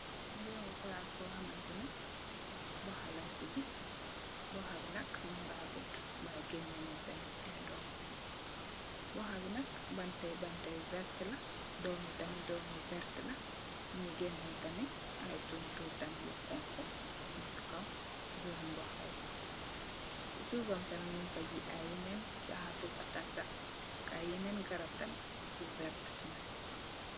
Meremu plase bu hamtane muha lenfe jeeh muha be nak nyuragut way gene nen tamin aye doom muha be nak banta ye banta yu verte la doom yee tamin doom yu verte la nuge gene tamin aye tonturr tamin yu xonxo mug se kaw doom me muha ye se suufam tamin nugfa jeeh aye yenen jahatu batensa aye yenen garab tamin yu verte tamin.